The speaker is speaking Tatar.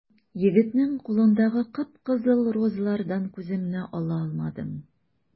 Егетнең кулындагы кып-кызыл розалардан күземне ала алмадым.